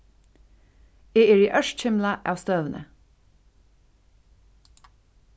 eg eri ørkymlað av støðuni